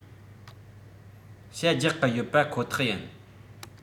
ཤ རྒྱག གི ཡོད པ ཁོ ཐག ཡིན